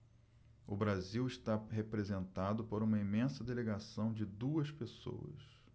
o brasil está representado por uma imensa delegação de duas pessoas